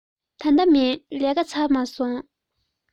ད ལྟ མིན ལས ཀ ཚར མ སོང